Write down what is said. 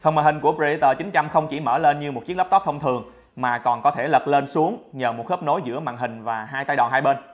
phần màn hình của predator triton không chỉ mở lên như một chiếc laptop thông thường mà còn có thể lật lên xuống nhờ một khớp nối ở giữa màn hình và tay đòn bên